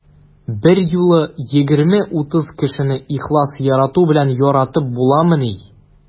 Берьюлы 20-30 кешене ихлас ярату белән яратып буламыни?